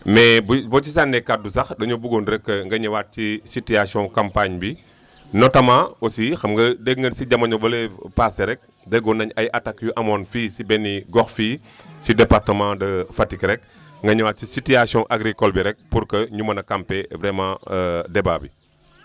mais boo ci sànnee kaddu sax dañoo bëggoon rek nga ñëwaat ci situation campagne bi notammenet aussi xam nga dégg ngeen si jamono bële paase rek déggoon nañu ay attaques yu amoon fii si benn gox fii si département de Fatick rek nga ñëwaat si situation agricole bi rek pour que ñu mën a camper vraiment débat bi